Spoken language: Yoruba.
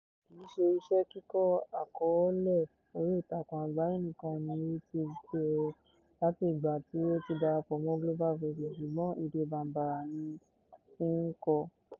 Kìí ṣe iṣẹ́ kíkọ àkọọ́lẹ̀ oríìtakùn àgbáyé nìkan ni o ti bẹ̀rẹ̀ láti ìgbà tí o ti darapọ̀ mọ́ Global Voices, ṣùgbọ́n èdè Bambara ni o fi ń kọ ọ́!